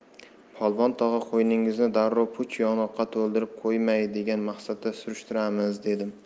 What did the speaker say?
polvon tog'a qo'yningizni darrov puch yong'oqqa to'ldirib qo'ymay degan maqsadda surishtiramiz dedim